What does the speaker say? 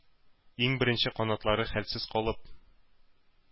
Иң беренче канатлары хәлсез калып,